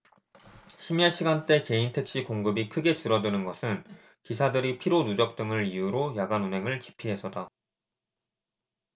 심야시간대 개인택시 공급이 크게 줄어드는 것은 기사들이 피로 누적 등을 이유로 야간 운행을 기피해서다